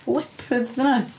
Leopard 'di hynna.